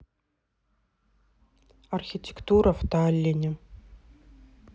архитектура в таллине